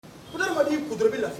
Koda y'i kunto bɛ lafi